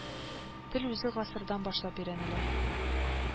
Тел үзе гасырдан башлап өйрәнелә